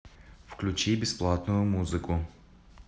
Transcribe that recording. включи бесплатно музыку